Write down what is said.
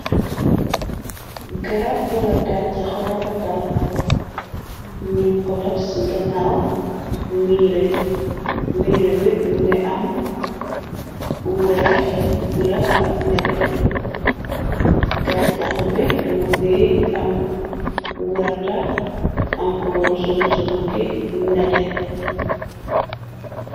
Garab wala ganchaxu rafetal ñu ko def ci ganaaw rmiire bi mu ngi am weex bula ak nete ganchax bi mu ngi am werte am kulooru sungu ci bukki nete.